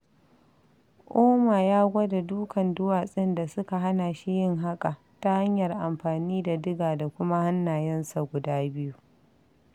Ouma ya gwada dukan duwatsun da suka hana shi yin haƙa ta hanyar amfani da diga da kuma hannayesa guda biyu.